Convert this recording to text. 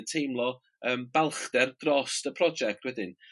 yn teimlo yym balchder drost y project wedyn.